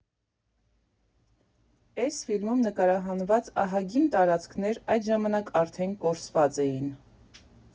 Եվ ֆիլմում նկարահանված ահագին տարածքներ այդ ժամանակ արդեն կորսված էին։